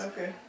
ok